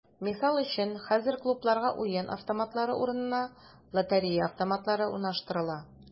Мисал өчен, хәзер клубларга уен автоматлары урынына “лотерея автоматлары” урнаштырыла.